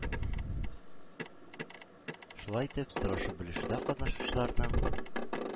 Шулай итеп, сорашып-белешүдә катнашучыларның